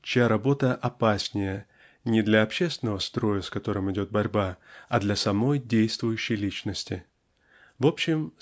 чья работа "опаснее" не для общественного строя с которым идет борьба а для самой действующей личности. В общем